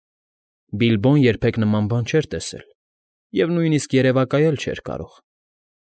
Բիլբոն երբեք նման բան չէր տեսել և նույնիսկ երևակայել չէր կարող։